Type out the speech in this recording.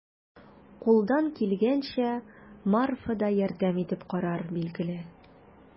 Кулдан килгәнчә Марфа да ярдәм итеп карар, билгеле.